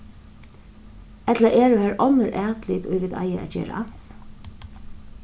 ella eru har onnur atlit ið vit eiga at gera ans